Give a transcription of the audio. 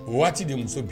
Waati de muso bi